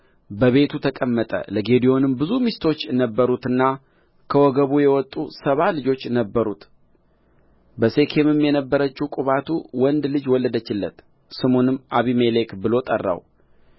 በቤቱ ተቀመጠ ለጌዴዎንም ብዙ ሚስቶች ነበሩትና ከወገቡ የወጡ ሰባ ልጆች ነበሩት በሴኬምም የነበረችው ቁባቱ ወንድ ልጅ ወለደችለት ስሙንም አቤሜሌክ ብሎ ጠራው